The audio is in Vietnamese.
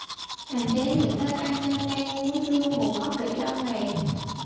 hạn chế những thức ăn lên men muối chua ngũ cốc để lâu ngày